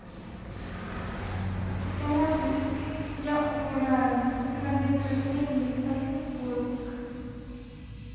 сегодня я умираю на день рождения один годик